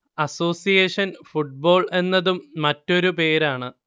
association football എന്നതും മറ്റൊരു പേരാണ്